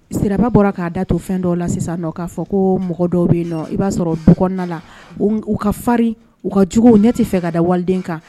Siraba bɔra k'a da to fɛn dɔ la sisan k'a fɔ ko mɔgɔ dɔw bɛ nɔn i b'a sɔrɔ duk la u karin u ka jugu ne tɛ fɛ ka da waleden kan